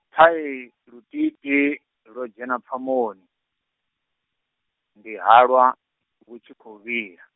thai lutiitii lwo dzhena pfamoni, ndi halwa, vhu tshi khou vhila.